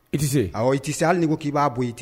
I tise awɔ i ti se hali n'i ko k'i b'a bo ye t